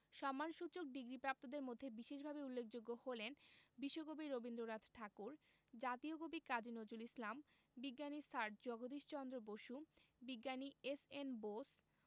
সম্মানসূচক ডিগ্রিপ্রাপ্তদের মধ্যে বিশেষভাবে উল্লেখযোগ্য হলেন বিশ্বকবি রবীন্দ্রনাথ ঠাকুর জাতীয় কবি কাজী নজরুল ইসলাম বিজ্ঞানী স্যার জগদীশ চন্দ্র বসু বিজ্ঞানী এস.এন বোস